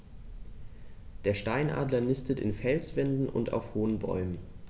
Der Steinadler nistet in Felswänden und auf hohen Bäumen.